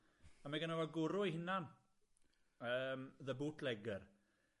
a mae gynno fo gwrw ei hunan, yym, the bootlegger,